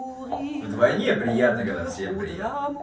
вдвойне приятно когда всем приятно